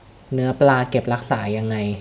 เนื้อปลาเก็บรักษายังไง